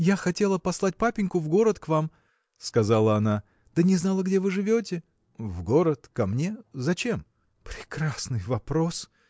– Я хотела послать папеньку в город к вам – сказала она – да не знала где вы живете. – В город, ко мне? зачем? – Прекрасный вопрос!